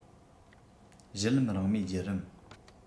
བཞུད ལམ རིང མོའི བརྒྱུ རིམ